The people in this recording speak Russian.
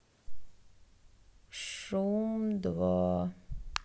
шум два